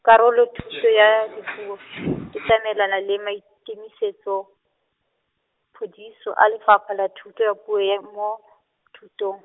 Karolothuto ya Dipuo , e tsamaelana le maikemisetsophodiso a Lefapha la Thuto a puo e mo, thutong.